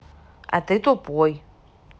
а ты тупой